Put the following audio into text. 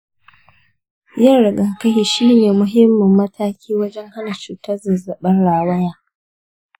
yin rigakafi shi ne muhimmin mataki wajen hana cutar zazzaɓin rawaya.